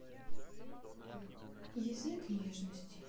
язык нежности